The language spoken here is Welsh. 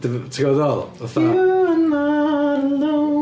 Ti'n gwbod be dwi'n feddwl? Fatha... You are not alone .